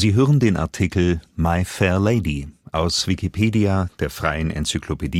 hören den Artikel My Fair Lady, aus Wikipedia, der freien Enzyklopädie